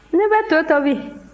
ne bɛ to tobi